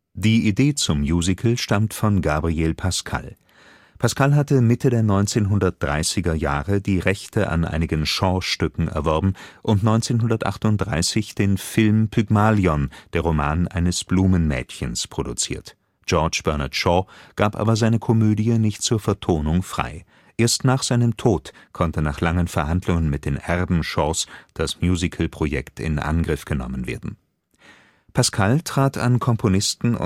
Die Idee zum Musical stammt von Gabriel Pascal. Pascal hatte Mitte der 1930er Jahre die Rechte an einigen Shaw-Stücken erworben und 1938 den Film Pygmalion – Der Roman eines Blumenmädchens produziert, G.B. Shaw gab aber seine Komödie nicht zur Vertonung frei. Erst nach seinem Tod konnte nach langen Verhandlungen mit den Erben Shaws das Musicalprojekt in Angriff genommen werden. Pascal trat an Komponisten